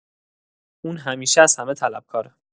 اون همیشه از همه طلبکاره!